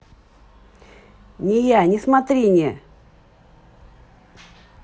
не я не смотри не